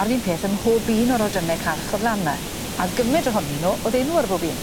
A'r un peth ym mhob un o'r oedryne calch o'dd lan 'na. A o'dd gyment ohonyn n'w o'dd enw ar bob un.